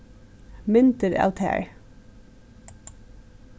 myndir av tær